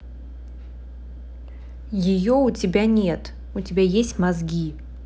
ее у тебя нет у тебя есть мозги